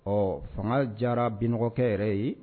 Ɔ fanga diyara binɔgɔkɛ yɛrɛ ye